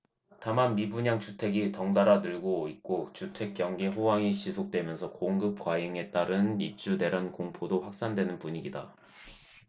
다만 미분양 주택이 덩달아 늘고 있고 주택경기 호황이 지속되면서 공급과잉에 따른 입주대란 공포도 확산되는 분위기다